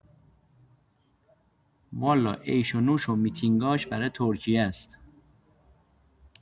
والا عیش و نوش و میتینگاش برا ترکیه ست.